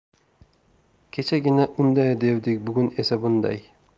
kechagina unday devdik bugun esa bunday